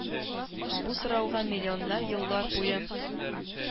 Бу сорауга миллионнар еллар буе